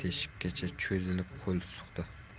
teshikchaga cho'zilib qo'l suqdi